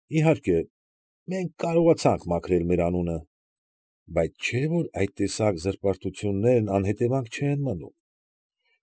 Իհարկե, մենք կարողացանք մաքրել մեր անունը, բայց չէ՞ որ այս տեսակ զրպարտություններն անհետևանք չեն մնում։